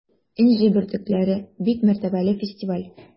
“энҗе бөртекләре” - бик мәртәбәле фестиваль.